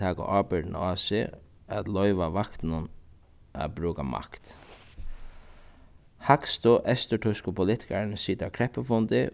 taka ábyrgdina á seg at loyva vaktunum at brúka makt hægstu eysturtýsku politikararnir sita á kreppufundi